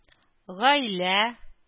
Гаилә